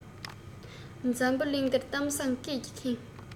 འཛམ བུ གླིང འདིར གཏམ བཟང སྐད ཀྱིས ཁེངས